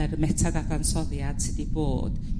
yr metaddadansoddiad sy 'di bod